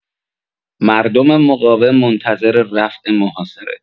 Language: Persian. مردم مقاوم منتظر رفع محاصره